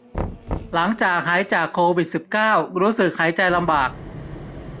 หลังจากหายจากโควิดสิบเก้ารู้สึกหายใจลำบาก